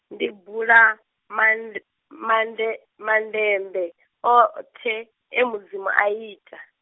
ḓi bula, mand-, mande-, mandembe oṱhe, e Mudzimu a ita.